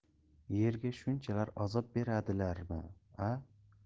yerga shunchalar azob beradilar mi a